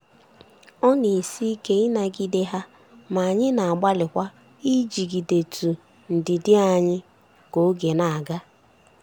Ọ na-esi ike ịnagide ha ma anyị na-agbalikwa ijigidetụ ndidi anyị ka oge na-aga.